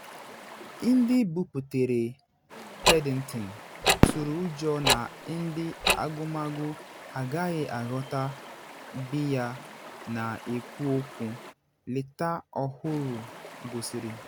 Ndị biputere Paddington tụrụ ụjọ na ndị agụmagụ agaghị aghọta biya na ekwu okwu, leta ọhụrụ gosiri